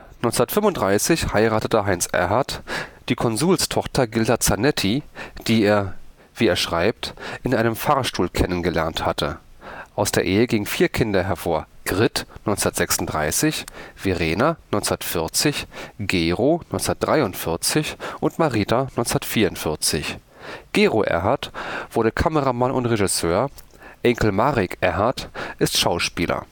1935 heiratete Heinz Erhardt die Konsulstochter Gilda Zanetti, die er, wie er schreibt, in einem Fahrstuhl kennengelernt hatte. Aus der Ehe gingen vier Kinder hervor: Grit (1936), Verena (1940), Gero (1943) und Marita (1944). Gero Erhardt wurde Kameramann und Regisseur. Enkel Marek Erhardt ist Schauspieler